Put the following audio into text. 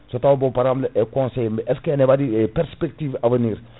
so taw bo pa* e conseil est ce que ene waɗi perspective avenir